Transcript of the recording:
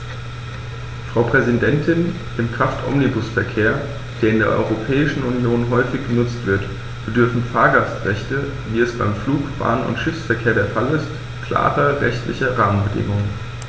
Frau Präsidentin, im Kraftomnibusverkehr, der in der Europäischen Union häufig genutzt wird, bedürfen Fahrgastrechte, wie es beim Flug-, Bahn- und Schiffsverkehr der Fall ist, klarer rechtlicher Rahmenbedingungen.